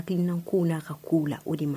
Baina ko'a ka kow la o de ma